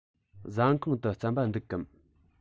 ཟ ཁང དུ རྩམ པ འདུག གམ